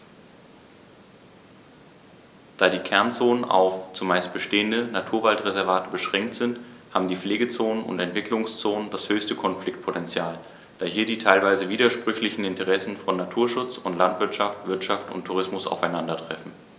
Da die Kernzonen auf – zumeist bestehende – Naturwaldreservate beschränkt sind, haben die Pflegezonen und Entwicklungszonen das höchste Konfliktpotential, da hier die teilweise widersprüchlichen Interessen von Naturschutz und Landwirtschaft, Wirtschaft und Tourismus aufeinandertreffen.